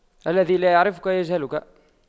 الذي لا يعرفك يجهلك